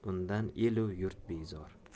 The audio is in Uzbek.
el u yurt bezor